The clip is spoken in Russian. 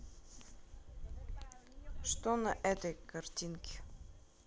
что на этой картинке